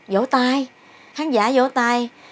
dỗ tay khán giả dỗ tay